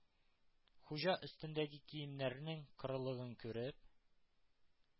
Хуҗа өстендәге киемнәрнең корылыгын күреп: